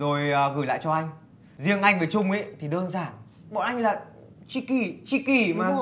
rồi gửi lại cho anh riêng anh với trung ý thì đơn giản bọn anh là tri kỷ tri kỷ mà